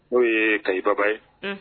N'o ye kababa ye